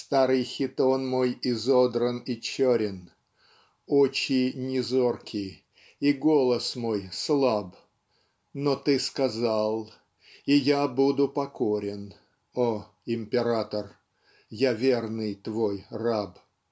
Старый хитон мой изодран и черен Очи не зорки и голос мой слаб Но ты сказал и я буду покорен О император я верный твой раб!